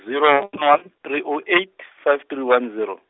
zero one, three oh eight, five three one zero.